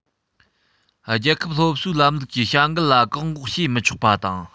རྒྱལ ཁབ སློབ གསོའི ལམ ལུགས ཀྱི བྱ འགུལ ལ བཀག འགོག བྱས མི ཆོག པ དང